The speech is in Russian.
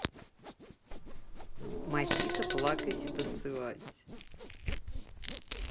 мохито плакать и танцевать